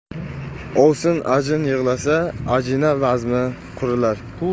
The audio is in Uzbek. ovsin ajin yig'ilsa ajina bazmi qurilar